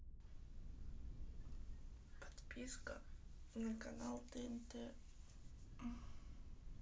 подписка на канал тнт